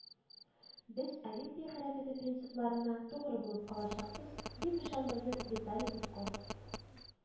“без олимпия хәрәкәте принципларына тугры булып калачакбыз”, – дип ышандырды виталий мутко